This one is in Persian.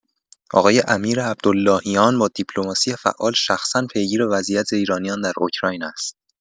آقای امیر عبداللهیان با دیپلماسی فعال شخصا پیگیر وضعیت ایرانیان در اوکراین است.